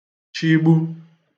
chịgbu